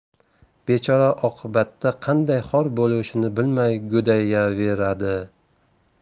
bechora oqibatda qanday xor bo'lishini bilmay g'o'dayaveradi